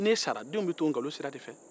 n'e sara den bɛ to o nkalon sira de fɛ